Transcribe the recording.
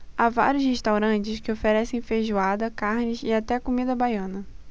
há vários restaurantes que oferecem feijoada carnes e até comida baiana